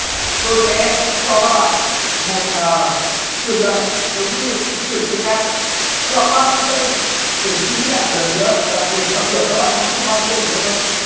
tôi sẽ cho các bạn một ờ quyền lợi giống như những người chơi khác đó là ba mươi giây để suy nghĩ lại một lần nữa và đặt tiền vào các cửa các bạn có muốn dùng ba mươi giây của tôi không